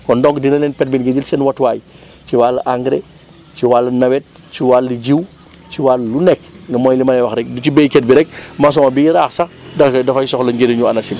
kon donc dina leen permettre ngeen jël seen matuwaay ci wàll engrais ci wàllum nawet ci wàllu jiw ci wàll wu nekk mooy li may wax rek du ci béykat bi rek maçon biy raax sax daanaka dafay soxla njëriñu ANACIM